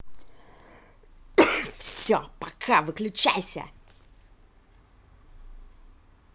все пока выключайся